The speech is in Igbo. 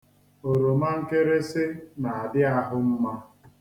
Oromankịrịsị na-adị ahụ mma.